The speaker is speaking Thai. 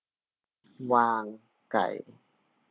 วางไก่